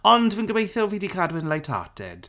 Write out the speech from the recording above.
Ond fi'n gobeitho fi 'di cadw e'n light-hearted.